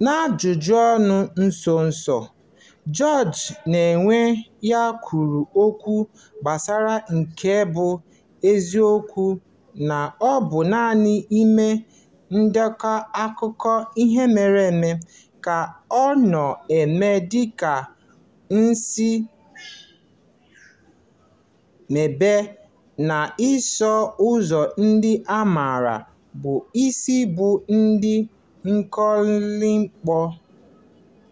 N'ajụjụ ọnụ nso nso a, George n'onwe ya kwuru okwu gbasara nke bụ eziokwu na ọ bụ "naanị ime ndekọ akụkọ ihe mere eme" ka ọ nọ na-eme dị ka o "si emebu" n'iso ụzọ ndị a maara bụ isi bụ ndị kalịpso